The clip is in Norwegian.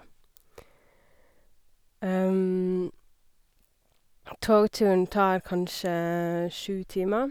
Togturen tar kanskje sju timer.